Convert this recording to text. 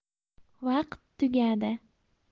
vaqt tugadi